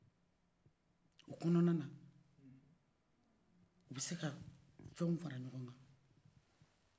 o kɔnɔn na u bɛ se ka fɛnw fara ɲɔgɔn ka